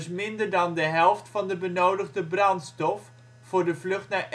minder dan de helft van de benodigde brandstof voor de vlucht naar